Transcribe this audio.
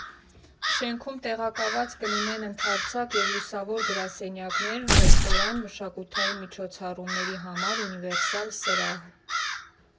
Շենքում տեղակաված կլինեն ընդարձակ և լուսավոր գրասենյակներ, ռեստորան, մշակութային միջոցառումների համար ունիվերսալ սրահ։